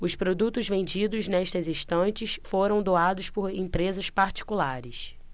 os produtos vendidos nestas estantes foram doados por empresas particulares